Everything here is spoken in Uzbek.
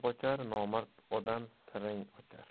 nomard odam siring ochar